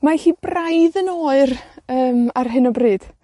Mae hi braidd yn oer yym, ar hyn o bryd.